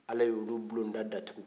ala y'olu bulonda da tugun